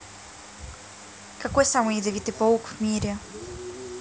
какой самый ядовитый паук в мире